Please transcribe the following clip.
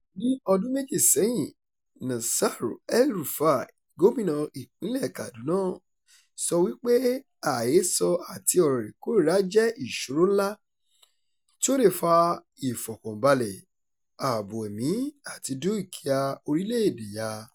Ní ọdún méjì sẹ́yìn, Nasir El-Rufai, gómìnà ìpínlẹ̀ Kaduna, sọ wípé àhesọ àti ọ̀rọ̀ ìkórìíra jẹ́ “ìṣòro ńlá” tí ó lè fa ìfọ̀kànbalẹ̀, ààbò ẹ̀mí àti dúkìá orílẹ̀-èdè yà.